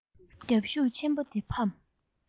རྒྱབ ཁུག ཆེན པོ དེ ཕབ